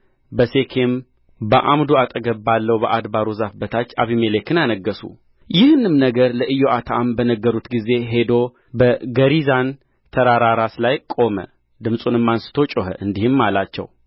በሴኬም በዓምዱ አጠገብ ባለው በአድባሩ ዛፍ በታች አቤሜሌክን አነገሡ ይህንም ነገር ለኢዮአታም በነገሩት ጊዜ ሄዶ በገሪዛን ተራራ ራስ ላይ ቆመ ድምፁንም አንሥቶ ጮኸ እንዲህም አላቸው